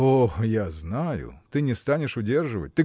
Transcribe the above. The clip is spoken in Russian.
– О, я знаю, ты не станешь удерживать